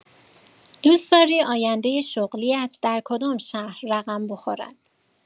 دوست‌داری آینده شغلی‌ات در کدام شهر رقم بخورد؟